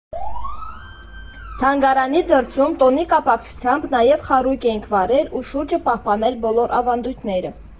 Թանգարանի դրսում տոնի կապակցությամբ նաև խարույկ էինք վառել ու շուրջը պահպանել բոլոր ավանդույթները։